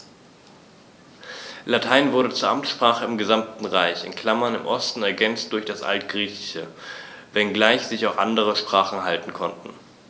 Latein wurde zur Amtssprache im gesamten Reich (im Osten ergänzt durch das Altgriechische), wenngleich sich auch andere Sprachen halten konnten.